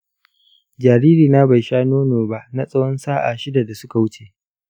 jaririna bai sha nono ba na tsawon sa'a shida da suka wuce.